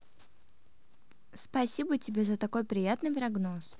спасибо тебе за такой приятный прогноз